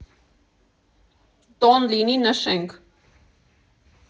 Տոն լինի, նշենք։